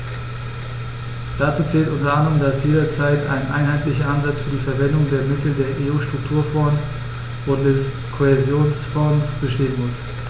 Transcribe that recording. Dazu zählt u. a., dass jederzeit ein einheitlicher Ansatz für die Verwendung der Mittel der EU-Strukturfonds und des Kohäsionsfonds bestehen muss.